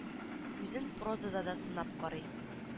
Үзен прозада да сынап карый